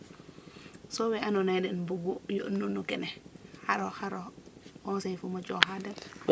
so we ando naye den mbugu yoɗ nu no kene xaro xaro conseil fum o coxa den